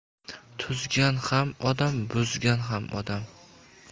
tuzgan ham odam buzgan ham odam